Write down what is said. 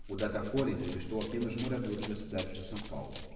o datafolha entrevistou apenas moradores da cidade de são paulo